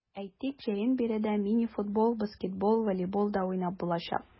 Әйтик, җәен биредә мини-футбол, баскетбол, волейбол да уйнап булачак.